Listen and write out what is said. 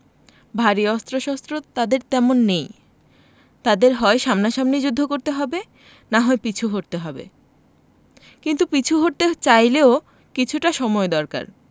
ভারী অস্ত্রশস্ত্র তাঁদের তেমন নেই তাঁদের হয় সামনাসামনি যুদ্ধ করতে হবে না হয় পিছু হটতে হবে কিন্তু পিছু হটতে চাইলেও কিছুটা সময় দরকার